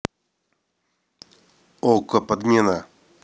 okko подмена